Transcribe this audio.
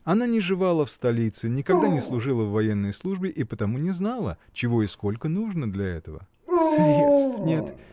Она не живала в столице, никогда не служила в военной службе и потому не знала, чего и сколько нужно для этого. — Средств нет!